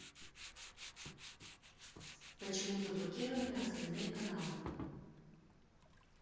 почему заблокированы остальные каналы